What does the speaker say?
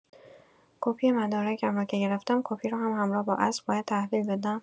کپی مدارکم رو که گرفتم کپی رو هم همراه با اصل باید تحویل بدم؟